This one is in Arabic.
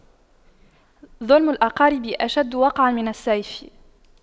ظلم الأقارب أشد وقعا من السيف